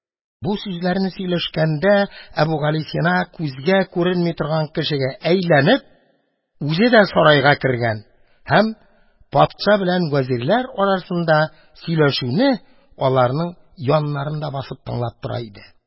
Бу сүзләрне сөйләшкәндә, Әбүгалисина, күзгә күренми торган кешегә әйләнеп, үзе дә сарайга кергән һәм патша белән вәзирләр арасындагы сөйләшүне аларның яннарына басып тыңлап тора иде.